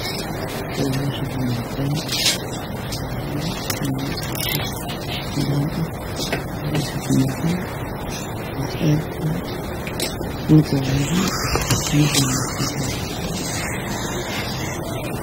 Meeshan waxaa yaalo labo moobeel